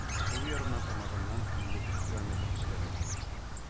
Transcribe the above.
Сул ярына тамагыннан илле бер километр өстәрәк